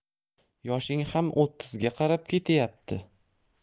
yoshing ham o'ttizga qarab ketyapti